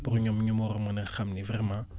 pour ñoom ñu war a mën a xam ne vraiment